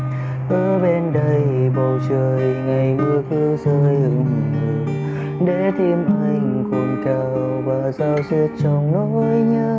ở bên đây bầu trời ngày mưa cứ rơi hừng hờ để tim anh cồn cào và da riết trong nối nhớ